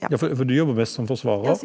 ja for for du jobber mest som forsvarer?